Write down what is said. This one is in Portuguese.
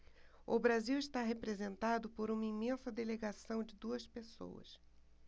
o brasil está representado por uma imensa delegação de duas pessoas